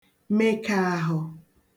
mekā àhụ